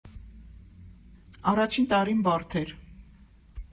Առաջին տարին բարդ էր։